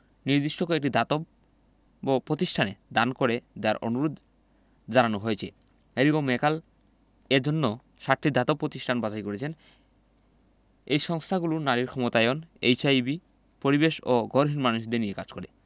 নির্দিষ্ট কয়েকটি দাতব্য প্রতিষ্ঠানে দান করে দেওয়ার অনুরোধ জানানো হয়েছে হ্যারি ও মেগান এ জন্য সাতটি দাতব্য প্রতিষ্ঠান বাছাই করেছেন এই সংস্থাগুলো নারীর ক্ষমতায়ন এইচআইভি পরিবেশ ও ঘরহীন মানুষদের নিয়ে কাজ করে